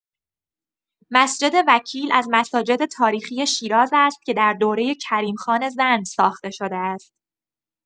مسجد وکیل از مساجد تاریخی شیراز است که در دوره کریم‌خان زند ساخته شده است.